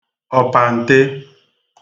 ọ̀pàǹte